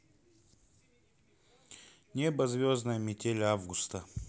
небо звездное метель августа